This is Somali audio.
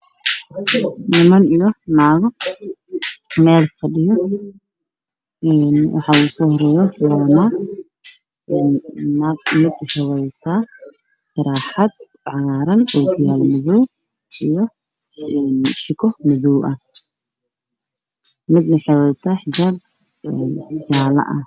Waa niman iyo naago meel fadhiyo